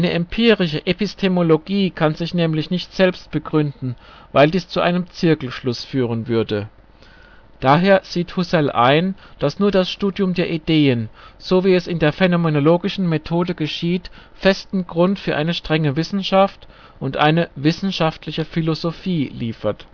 empirische Epistemologie kann sich nämlich nicht selbst begründen, weil dies zu einem Zirkelschluss führen würde. Daher sieht Husserl ein, dass nur das Studium der Ideen, so wie es in der phänomenologischen Methode geschieht, festen Grund für eine strenge Wissenschaft und eine " wissenschaftliche Philosophie " liefert